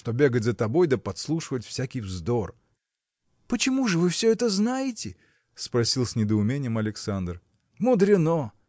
что бегать за тобой да подслушивать всякий вздор. – Почему же вы все это знаете? – спросил с недоумением Александр. – Мудрено!